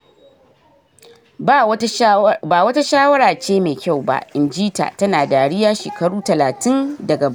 "Ba wata shawara ce mai kyau ba," in ji ta tana dariya shekaru 30 daga baya.